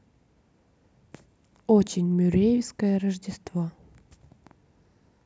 очень мюрреевское рождество